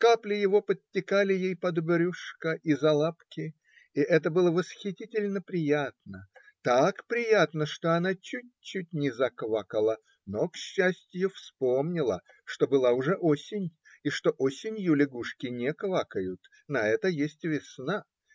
капли его подтекали ей под брюшко и за лапки, и это было восхитительно приятно, так приятно, что она чуть-чуть не заквакала, но, к счастью, вспомнила, что была уже осень и что осенью лягушки не квакают, на это есть весна,